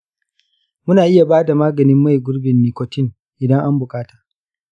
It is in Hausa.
muna iya ba da maganin maye gurbin nicotine idan an buƙata.